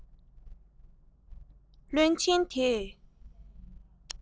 བློན ཆེན དེས